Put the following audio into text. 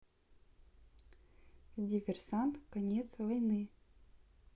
диверсант конец войны